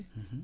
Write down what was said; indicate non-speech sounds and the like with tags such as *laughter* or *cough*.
*hesitation* *hesitation*